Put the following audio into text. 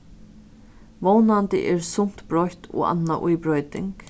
vónandi er sumt broytt og annað í broyting